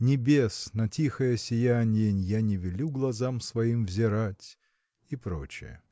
Небес на тихое сиянье Я не велю глазам своим взирать, и проч.